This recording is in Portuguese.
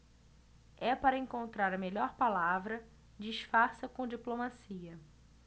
é para encontrar a melhor palavra disfarça com diplomacia